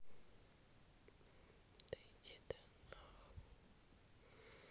да иди ты нахуй